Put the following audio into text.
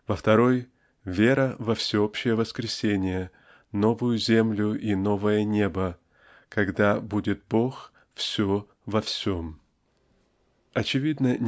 во второй -- вера во всеобщее воскресение новую землю и новое небо когда "будет Бог все во всем". Очевидно